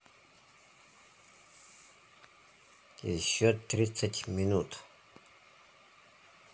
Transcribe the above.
еще тридцать минут